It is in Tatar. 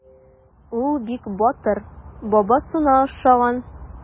Ул бик батыр, бабасына охшаган.